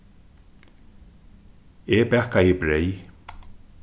eg bakaði breyð